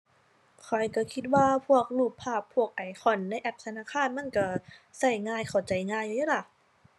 ข้อยก็คิดว่าพวกรูปภาพ พวกไอคอน ในแอปธนาคารมันก็ ก็ง่าย เข้าใจง่ายอยู่เดะล่ะ